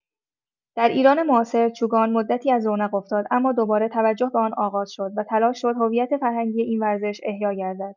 در ایران معاصر، چوگان مدتی از رونق افتاد اما دوباره توجه به آن آغاز شد و تلاش شد هویت فرهنگی این ورزش احیا گردد.